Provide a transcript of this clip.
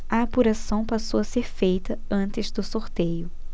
a apuração passou a ser feita antes do sorteio